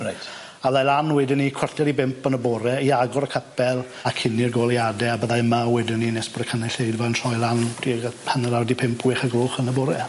Reit. A ddai lan wedyn 'ny cwarter i bump yn y bore i agor y capel a cynnu'r goleuade a byddai yma wedwn 'ny nes bod y cynulleidfa yn troi lan tuag at hanner 'di pump wech o'r gloch yn y bore.